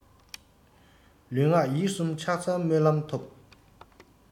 ལུས ངག ཡིད གསུམ ཕྱག འཚལ སྨོན ལམ ཐོབ